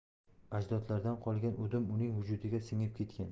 ajdodlardan qolgan udum uning vujudiga singib ketgan